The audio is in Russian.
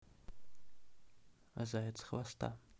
заяц хвоста